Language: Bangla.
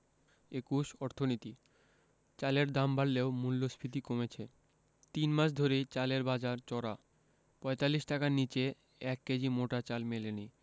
২১ অর্থনীতি চালের দাম বাড়লেও মূল্যস্ফীতি কমেছে তিন মাস ধরেই চালের বাজার চড়া ৪৫ টাকার নিচে ১ কেজি মোটা চাল মেলেনি